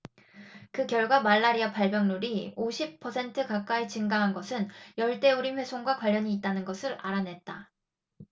그 결과 말라리아 발병률이 오십 퍼센트 가까이 증가한 것은 열대 우림 훼손과 관련이 있다는 것을 알아냈다